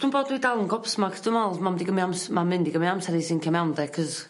Dwi'm 'bod dwi dal yn gob smacked dwi me'wl ma' mynd 'di gymy ams- ma' mynd i gymy amser i sincio mewn 'de 'c'os